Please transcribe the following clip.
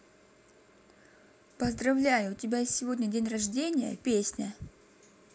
поздравляю у тебя сегодня день рождения песня